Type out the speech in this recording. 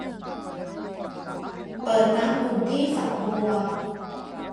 เปิดน้ำอุ่นที่ฝักบัว